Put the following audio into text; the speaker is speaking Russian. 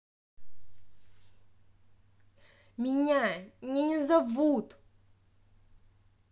меня не не не зовут